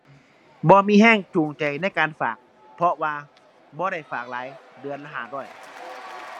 บ่มีแรงจูงใจในการฝาก เพราะว่าบ่ได้ฝากหลาย เดือนละห้าร้อย